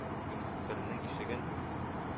Көмпернең ишеген